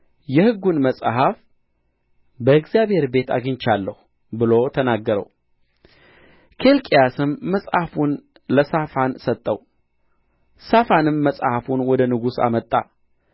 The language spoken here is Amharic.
የሕጉን መጽሐፍ በእግዚአብሔር ቤት አግኝቼአለሁ ብሎ ተናገረው ኬልቅያስም መጽሐፉን ለሳፋን ሰጠው ሳፋንም መጽሐፉን ወደ ንጉሡ አመጣ